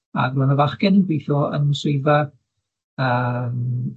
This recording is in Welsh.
ag ro' 'na fachgen yn gweithio yn swyddfa yym